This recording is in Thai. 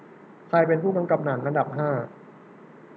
ใครเป็นผู้กำกับหนังอันดับห้า